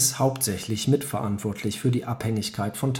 hauptsächlich mitverantwortlich für die Abhängigkeit von